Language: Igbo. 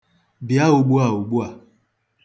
Bịa ugbua ugbua.